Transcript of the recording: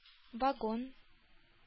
Вагон